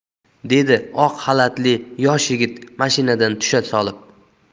dedi oq xalatli yosh yigit mashinadan tusha solib